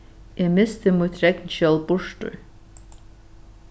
eg misti mítt regnskjól burtur